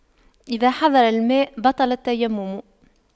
إذا حضر الماء بطل التيمم